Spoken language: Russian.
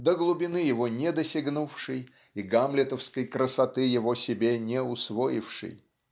до глубины его не досягнувший и гамлетовской красоты его себе не усвоивший.